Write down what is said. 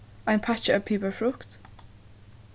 ein pakki av piparfrukt